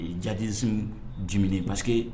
Jadisi jumɛn pa que